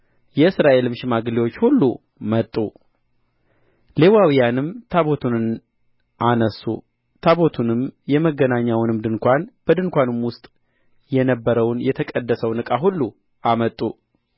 የእስራኤልም ሽማግሌዎች ሁሉ መጡ ሌዋውያንም ታቦቱን አነሡ ታቦቱንም የመገናኛውንም ድንኳን በድኳኑም ውስጥ የነበረውን የተቀደሰውን ዕቃ ሁሉ አመጡ